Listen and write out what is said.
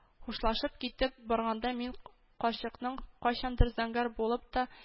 Хушлашып китеп барганда мин карчыкның кайчандыр зәңгәр булып та